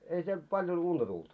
ei siellä paljon unta tullut